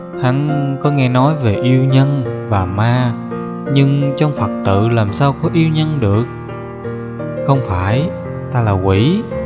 hắn có nghe nói về yêu nhân và ma nhưng trong phật tự làm sao có yêu nhân được không phải ta là quỷ